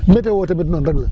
météo tamit noonu rek la